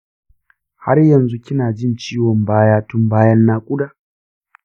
har yanzu kina jin ciwon baya tun bayan nakuda?